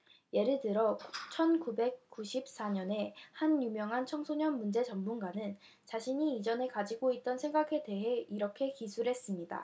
예를 들어 천 구백 구십 사 년에 한 유명한 청소년 문제 전문가는 자신이 이전에 가지고 있던 생각에 대해 이렇게 기술했습니다